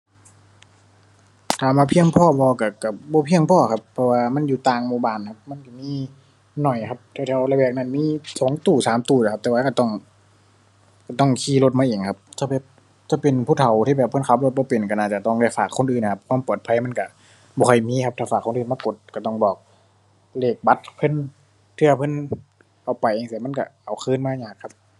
ถามว่าเพียงพอบ่ ก็ ก็บ่เพียงพอครับ เพราะว่ามันอยู่ต่างหมู่บ้านครับ มันก็มีน้อยครับ แถวแถวละแวกนั้นมีสองตู้สามตู้แหละครับ แต่ว่าก็ต้อง ต้องขี่รถมาเองครับ ถ้าแบบ ถ้าเป็นผู้เฒ่าที่แบบเพิ่นขับรถบ่เป็นก็น่าจะต้องได้ฝากคนอื่นอะครับ ความปลอดภัยมันก็บ่ค่อยมีครับถ้าฝากคนอื่นมากด ก็ต้องบอกเลขบัตรเพิ่น เทื่อเพิ่นเอาไปจั่งซี้ มันก็เอาคืนมายากครับ